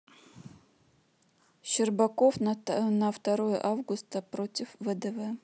щербаков на второе августа против вдв